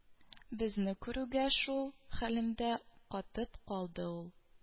Безне күрүгә шул хәлендә катып калды ул